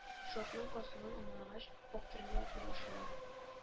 Шартның асылын аңлагач аптырыйлар елашалар